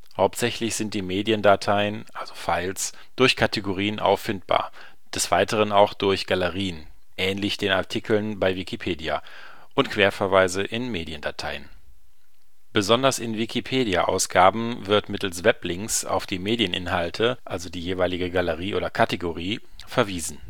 Hauptsächlich sind die Mediendateien (Files) durch Kategorien auffindbar, des Weiteren auch durch Galerien (ähnlich den Artikeln bei Wikipedia) und Querverweise in Mediendateien. Besonders in Wikipedia-Ausgaben wird mittels " Weblinks " auf die Medieninhalte (jeweilige Galerie oder Kategorie) verwiesen